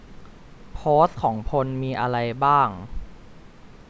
โพสต์ของพลมีอะไรบ้าง